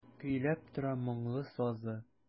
Көйләп тора моңлы сазы.